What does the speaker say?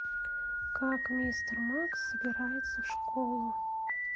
как мистер макс собирается в школу